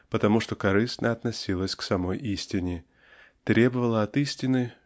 потому что корыстно относилась к самой истине требовала от истины